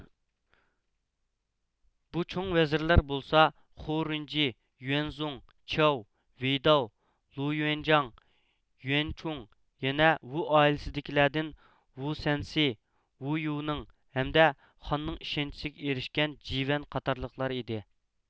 بۇ چوڭ ۋەزىرلەر بولسا خورېنجى يۇەنزۇڭ چياۋ ۋېيداۋ لو يۇەنجاڭ يۇەنچۇڭ يەنە ۋۇ ئائىلىسىدىكىلەردىن ۋۇ سەنسى ۋۇ يوۋنىڭ ھەمدە خاننىڭ ئىشەنچىسىگە ئېرىشكەن جى ۋەن قاتارلىقلار ئىدى